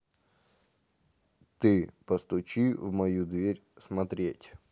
ты постучи в мою дверь смотреть